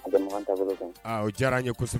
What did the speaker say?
Diyara ye